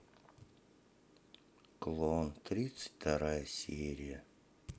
клон тридцать вторая серия